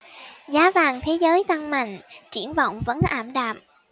giá vàng thế giới tăng mạnh triển vọng vẫn ảm đạm